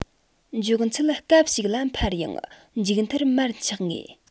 མགྱོགས ཚད སྐབས ཤིག ལ འཕར ཡང མཇུག མཐར མར ཆག ངེས